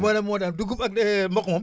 wala moo tax dugub ak mboq moom